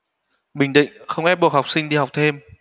bình định không ép buộc học sinh đi học thêm